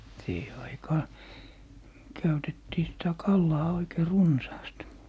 siihen aikaan käytettiin sitä kalaa oikein runsaasti